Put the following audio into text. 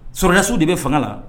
Sɔldasiw de bɛ fanga la!